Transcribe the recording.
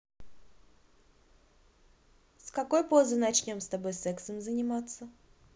с какой позы начнем с тобой сексом заниматься